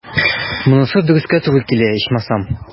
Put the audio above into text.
Монысы дөрескә туры килә, ичмасам.